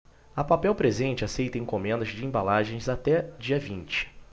a papel presente aceita encomendas de embalagens até dia vinte